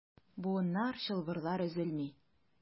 Буыннар, чылбырлар өзелми.